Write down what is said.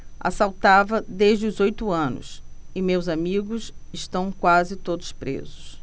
assaltava desde os oito anos e meus amigos estão quase todos presos